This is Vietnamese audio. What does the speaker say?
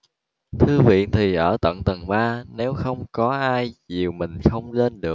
thư viện thì ở tận tầng ba nếu không có ai dìu mình không lên được